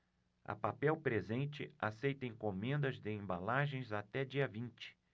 a papel presente aceita encomendas de embalagens até dia vinte